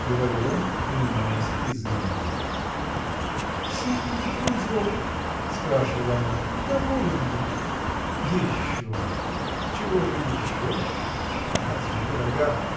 — говорил он, принимаясь и за индейку. — Сыт ли, дружок? — спрашивала она. — Доволен ли? — Еще бы! Чего же еще? Разве пирога.